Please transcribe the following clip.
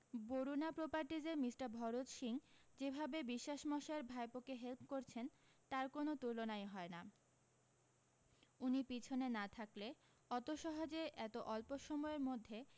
বরুণা প্রপারটিজের মিষ্টার ভরত সিং যেভাবে বিশ্বাসমশাইয়ের ভাইপোকে হেল্প করছেন তার কোনো তুলনাই হয় না উনি পিছনে না থাকলে অত সহজে এত অল্প সময়ের মধ্যে